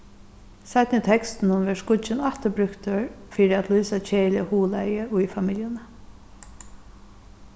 seinni í tekstinum verður skuggin aftur brúktur fyri at lýsa keðiliga huglagið í familjuni